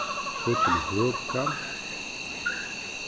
so kemur høkan